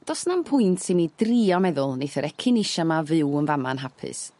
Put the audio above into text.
do's 'na'm pwynt i mi drio meddwl neith yr echinacea 'ma fyw yn fa' 'ma'n hapus.